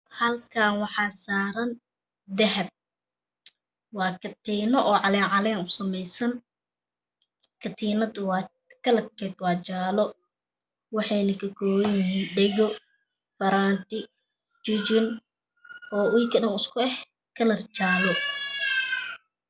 Halkan waxa sarandahab wakatino calecalen usameysan katinadakalarkedawajalo waxeynakakoban yihiin dhego faranti jijin o akidhan iskuyihiin kalar jale